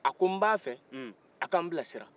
a ko nba fɛ a ka nbila sira